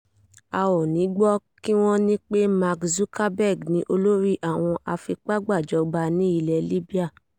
A ò ní gbọ́ kí wọ́n wí pé: "Mark Zuckerberg ni olórí àwọn afipágbàjọba ilẹ̀ Libya"